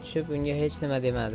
tushib unga hech nima demadi